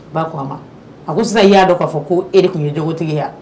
Ba ko a ma a ko sisan y'a dɔn k'a fɔ ko e de tun yeya